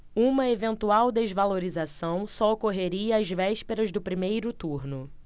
uma eventual desvalorização só ocorreria às vésperas do primeiro turno